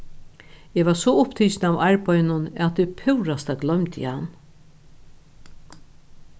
eg var so upptikin av arbeiðinum at eg púrasta gloymdi hann